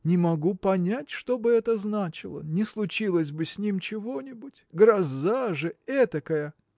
не могу понять, что бы это значило? Не случилось бы с ним чего-нибудь? Гроза же этакая.